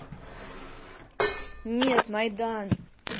нет майдан